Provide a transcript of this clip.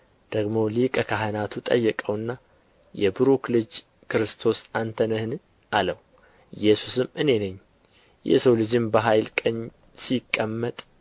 ደግሞ ሊቀ ካህናቱ ጠየቀውና የቡሩክ ልጅ ክርስቶስ አንተ ነህን አለው ኢየሱስም እኔ ነኝ የሰው ልጅም በኃይል ቀኝ ሲቀመጥ